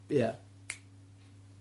Ia.